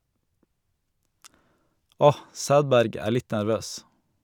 Åh, Sædberg er litt nervøs.